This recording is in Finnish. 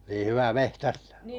niin hyvä metsästämään